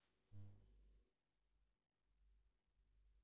половые кухни